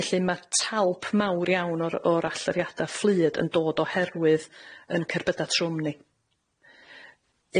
Felly ma' talp mawr iawn o'r o'r allyriada' fflyd yn dod oherwydd yn cerbyda' trwm ni.